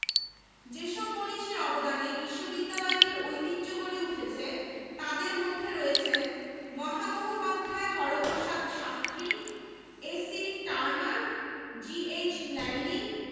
শিক্ষা ও গবেষণার পাশাপাশি এ বিশ্ববিদ্যালয় বায়ান্নর ভাষা আন্দোলন ও একাত্তরের মহান স্বাধীনতা সংগ্রাম সহ প্রতিটি গণতান্ত্রিক আন্দোলনে